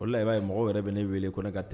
O de i b'a ye mɔgɔ wɛrɛ bɛ ne wele ko ka tɛ